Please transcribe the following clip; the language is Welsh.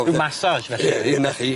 Rw massage felly? Ie ie 'na chi.